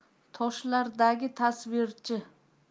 toshlardagi tasvirchi